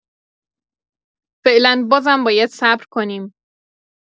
فعلا بازم باید صبر کنیم.